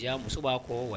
Muso b'a ko wa